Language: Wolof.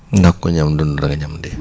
ndax ku ñam dund da nga ñam dee